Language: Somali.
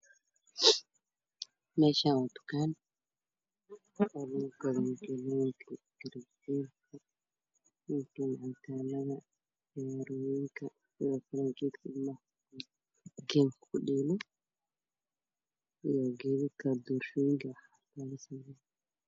Meeshaan waa tukaan oo lugu gado makiinadooyinka faranjiyeerka iyo kuwa cabitaanka iyo mara waxadooyinka iyo kan ilmaha gamka kudheelo iyo makiinadaha doolshooyinka lugu sameeyo.